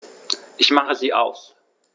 Ich mache sie aus.